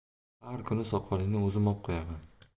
har kuni soqolingni o'zim op qo'yaman